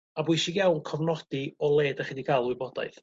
ma' bwysig iawn cofnodi o le 'da chi 'di ga'l y wybodaeth